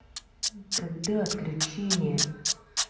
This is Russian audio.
когда отключение